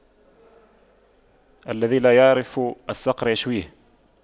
الذي لا يعرف الصقر يشويه